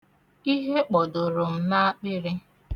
Ihe kpọdoro m n'akpịrị.